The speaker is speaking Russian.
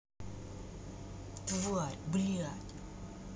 тварь блядь